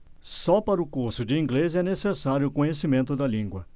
só para o curso de inglês é necessário conhecimento da língua